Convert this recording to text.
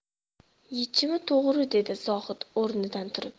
yechimi to'g'ri dedi zohid o'rnidan turib